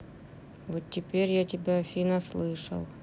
вот теперь я тебя афина слышал